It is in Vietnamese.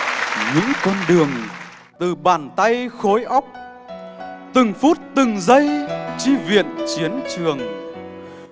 những con đường từ bàn tay khối óc từng phút từng giây chi viện chiến trường mặc